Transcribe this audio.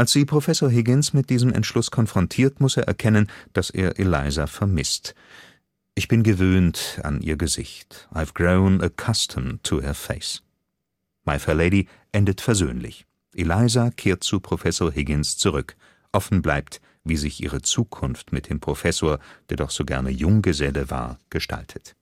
sie Prof. Higgins mit diesem Entschluss konfrontiert, muss er erkennen, dass er Eliza vermisst (Ich bin gewöhnt an ihr Gesicht/I’ ve Grown Accustomed to Her Face). My Fair Lady endet versöhnlich, Eliza kehrt zu Professor Higgins zurück. Offen bleibt, wie sich ihre Zukunft mit dem Professor, der doch so gerne Junggeselle war, gestaltet